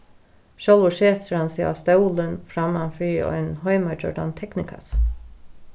sjálvur setir hann seg á stólin framman fyri ein heimagjørdan teknikassa